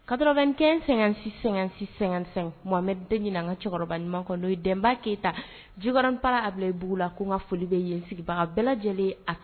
Kato--sɛ-sɛ-sɛmɛ bɛɛ ɲin ka cɛkɔrɔbaɲuman kɔnɔ ye denba keyita jikranp abu bugu la ko ka foli bɛ yensigibaga bɛɛ lajɛlen a kan